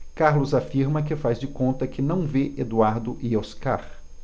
carlos afirma que faz de conta que não vê eduardo e oscar